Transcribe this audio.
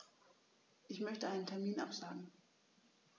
Ich möchte einen Termin absagen.